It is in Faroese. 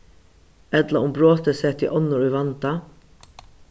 ella um brotið setti onnur í vanda